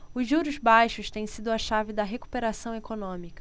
os juros baixos têm sido a chave da recuperação econômica